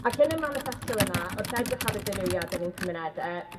Ac yn y maniffesto yna, wrth edrych ar y dirywiad yn ein cymunede,